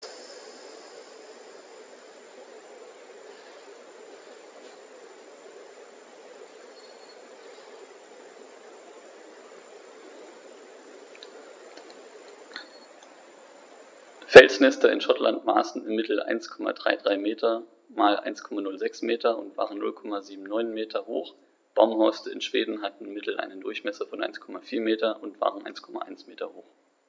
Felsnester in Schottland maßen im Mittel 1,33 m x 1,06 m und waren 0,79 m hoch, Baumhorste in Schweden hatten im Mittel einen Durchmesser von 1,4 m und waren 1,1 m hoch.